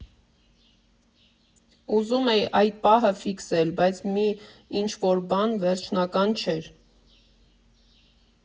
Ուզում էի այդ պահը ֆիքսել, բայց մի ինչ֊որ բան վերջնական չէր։